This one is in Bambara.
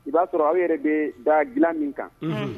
I b'a sɔrɔ aw yɛrɛ bɛ da dilan min kan